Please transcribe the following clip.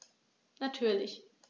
Natürlich.